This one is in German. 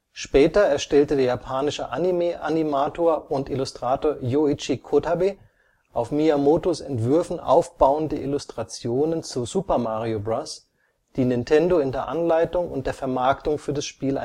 Später erstellte der japanische Anime-Animator und Illustrator Yōichi Kotabe auf Miyamotos Entwürfen aufbauende Illustrationen zu Super Mario Bros., die Nintendo in der Anleitung und der Vermarktung des Spiels einsetzte